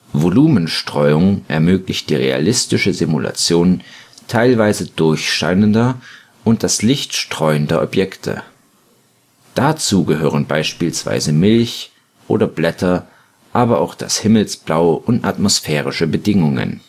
Volumenstreuung ermöglicht die realistische Simulation teilweise durchscheinender und das Licht streuender Objekte. Dazu gehören beispielsweise Milch oder Blätter, aber auch das Himmelsblau und atmosphärische Bedingungen